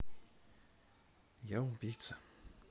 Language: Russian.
я убийца